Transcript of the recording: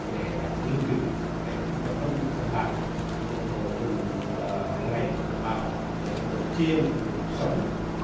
để làng lưu trữ để không bị thất lạc những cái đồ dùng hằng ngày của đồng bào giống đồ chiêng trống